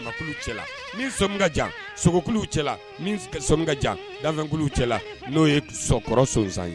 Samakulu cɛla min sɔmi ka jan, sogokuluw cɛla min sɔmi ka jan, danfɛnkuluw cɛla min sɔmi ka jan n'o ye kɔrɔ sonsan ye!